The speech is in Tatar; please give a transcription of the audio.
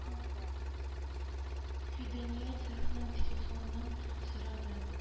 Фидания цехның телефонын сорады.